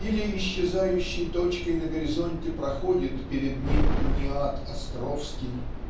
Или исчезающей точкой на горизонте проходит перед ним униат Островский